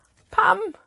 Pam?